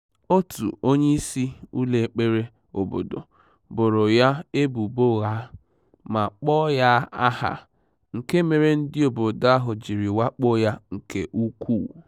Otu onyeisi ụlọ ekpere obodo boro ya ebubo ụgha, ma kpọ ya aha, nke mere ndị obodo ahụ jiri wakpo ya nke ukwuu.